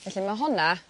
felly ma' hwnna